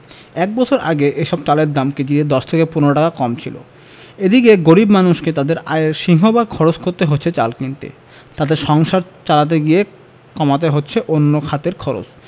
এক বছর আগে এসব চালের দাম কেজিতে ১০ থেকে ১৫ টাকা কম ছিল এদিকে গরিব মানুষকে তাঁদের আয়ের সিংহভাগ খরচ করতে হচ্ছে চাল কিনতে তাতে সংসার চালাতে গিয়ে কমাতে হচ্ছে অন্য খাতের খরচ